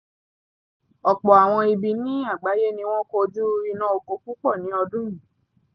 Ọ̀pọ̀ àwọn ibi ní àgbáyé ni wọ́n kojú iná oko púpọ̀ ní ọdún yìí.